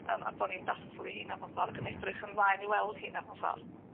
Yym a bo' ni'n dathlu rheina mewn ffer ag yn edrych ymlaen i weld rheina mewn ffor?